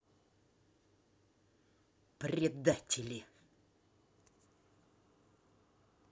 предатели